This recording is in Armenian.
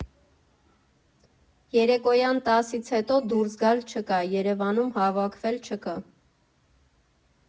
Երեկոյան տասից հետո դուրս գալ չկա, Երևանում հավաքվել չկա։